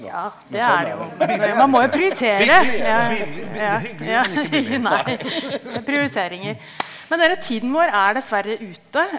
ja det er det jo, men man må jo prioritere ja ja ja ja nei prioriteringer, men dere tiden vår er dessverre ute.